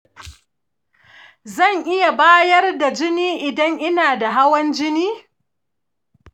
zan iya bayar da jini idan ina da hawan jini?